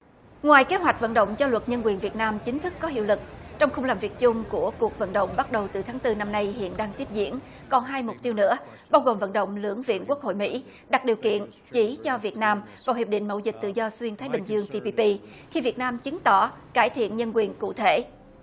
ngoài kế hoạch vận động cho luật nhân quyền việt nam chính thức có hiệu lực trong khung làm việc chung của cuộc vận động bắt đầu từ tháng tư năm nay hiện đang tiếp diễn còn hai mục tiêu nữa bao gồm vận động lưỡng viện quốc hội mỹ đặt điều kiện chỉ cho việt nam vào hiệp định mậu dịch tự do xuyên thái bình dương ti pi pi khi việt nam chứng tỏ cải thiện nhân quyền cụ thể